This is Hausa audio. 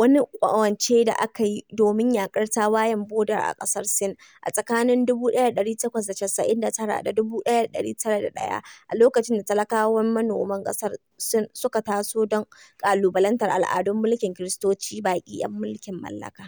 wani ƙawance da aka yi domin yaƙar Tawayen Boɗer a ƙasar Sin, a tsakanin 1899 da 1901, a lokacin da talakawan manoman ƙasar Sin suka taso don ƙalubalantar al'adu da mulkin Kiristoci baƙi 'yan mulkin mallaka.